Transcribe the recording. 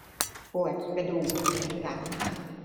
ปวดกระดูกเหมือนหลังหัก